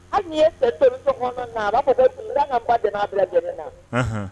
Hali n'i ye seri tobi sokɔɔna na a b'a fɔ ko n kaan ŋa n ba dɛmɛ a bɛɛ lajɛlen na anhan